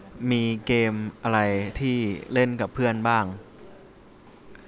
มีเกมอะไรที่เล่นกับเพื่อนบ้าง